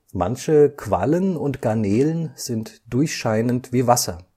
Manche Quallen und Garnelen sind durchscheinend wie Wasser